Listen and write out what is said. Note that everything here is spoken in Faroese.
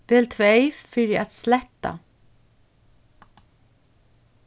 vel tvey fyri at sletta